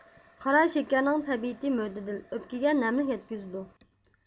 قاراشېكەرنىڭ تەبىئىتى مۆتىدىل ئۆپكىگە نەملىك يەتكۈزىدۇ